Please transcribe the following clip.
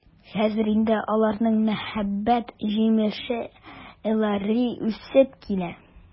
Хәзер инде аларның мәхәббәт җимеше Эллари үсеп килә.